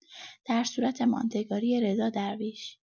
در صورت ماندگاری رضا درویش